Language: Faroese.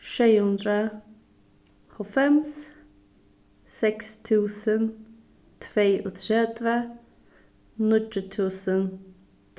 sjey hundrað hálvfems seks túsund tveyogtretivu níggju túsund